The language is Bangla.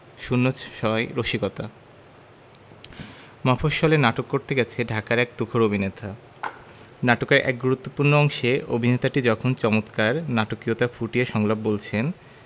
০৬ রসিকতা মফশ্বলে নাটক করতে গেছে ঢাকার এক তুখোর অভিনেতা নাটকের এক গুরুত্তপূ্র্ণ অংশে অভিনেতাটি যখন চমৎকার নাটকীয়তা ফুটিয়ে সংলাপ বলছেন